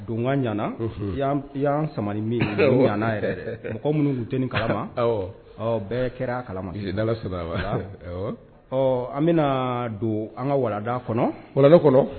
Donkan ɲɛna, i y'an sama ni min ye o ɲɛna yɛrɛ yɛrɛ, mɔgɔ minnu tun tɛ nin kalama, awɔ, ɔ bɛɛ kɛr'a kalama, n'Ala sɔnn'a ma, ɔ an bɛna don an ka walanda kɔnɔ, walanda kɔnɔ